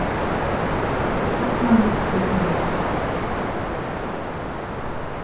eydnan hjálpir tí reysta